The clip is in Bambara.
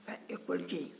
ka ɛkɔli kɛ yen